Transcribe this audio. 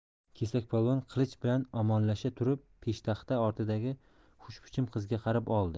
kesakpolvon qilich bilan omonlasha turib peshtaxta ortidagi xushbichim qizga qarab oldi